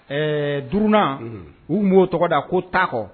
Ɛɛ durununa u m'o tɔgɔ da ko taakɔ